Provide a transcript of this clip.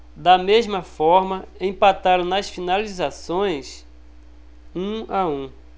da mesma forma empataram nas finalizações um a um